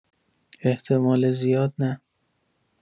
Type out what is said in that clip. احتمال زیاد نه.